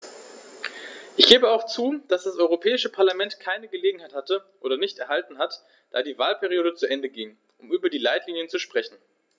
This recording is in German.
Ich gebe auch zu, dass das Europäische Parlament keine Gelegenheit hatte - oder nicht erhalten hat, da die Wahlperiode zu Ende ging -, um über die Leitlinien zu sprechen.